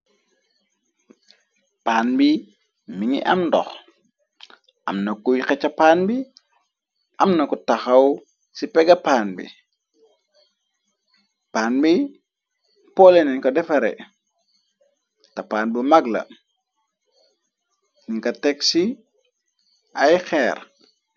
Pann bi mi ngi am ndox amna kuy xeca paan bi amna ko taxaw ci pega pann bi pann bi poole nen ko defare te pann bu magla ni ka teg ci ay xeer.